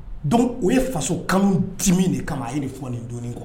Dɔnku o ye faso kanu di min de kama de fɔ nin don kɔ